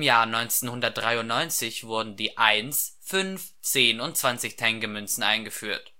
Jahr 1993 wurden die 1, 5, 10 und 20 Tenge-Münzen eingeführt.